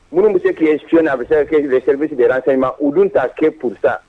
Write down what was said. Minnu bɛ se' su na a bɛ se ka kesɛsɛsiran sayi ma u dun ta kɛ psa